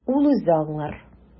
Ул үзе аңлар.